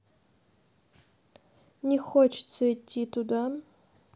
не хочется идти туда